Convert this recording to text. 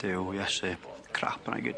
Duw Iesu. Crap yna i gyd.